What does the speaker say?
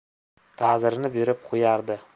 ta'zirini berib qo'yardi